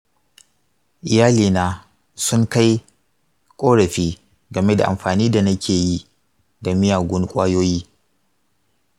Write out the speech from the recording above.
iyali na sun kai ƙorafi game da amfani da nake yi da miyagun ƙwayoyi.